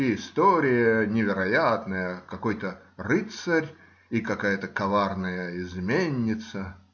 И история невероятная: какой-то рыцарь и какая-то коварная изменница.